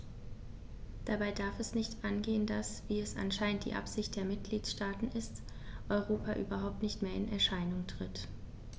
Dabei darf es nicht angehen, dass - wie es anscheinend die Absicht der Mitgliedsstaaten ist - Europa überhaupt nicht mehr in Erscheinung tritt.